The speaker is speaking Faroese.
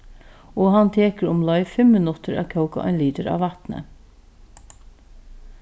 og hann tekur umleið fimm minuttir at kóka ein litur av vatni